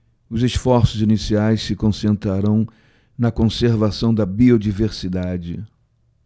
os esforços iniciais se concentrarão na conservação da biodiversidade